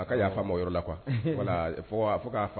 A ka yɔrɔ la